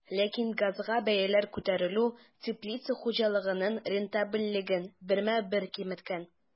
Ләкин газга бәяләр күтәрелү теплица хуҗалыгының рентабельлеген бермә-бер киметкән.